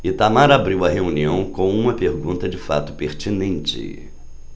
itamar abriu a reunião com uma pergunta de fato pertinente